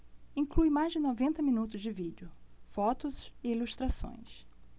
inclui mais de noventa minutos de vídeo fotos e ilustrações